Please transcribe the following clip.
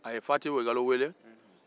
a ye fati woyigalo weele